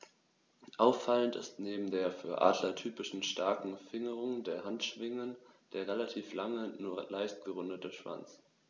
Auffallend ist neben der für Adler typischen starken Fingerung der Handschwingen der relativ lange, nur leicht gerundete Schwanz.